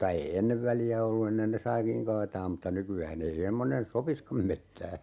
mutta ei ennen väliä ollut ennen ne saikin kaataa mutta nykyään ei semmoinen sopisikaan metsään